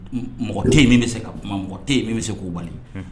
Mɔgɔ te min bɛ se ka kuma mɔgɔ tɛ min bɛ se k'o bali